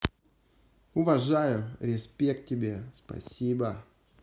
уважаю респект тебе спасибо